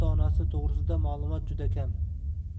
onasi to'grisida ma'lumot juda kam